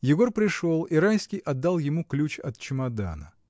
Егор пришел, и Райский отдал ему ключ от чемодана.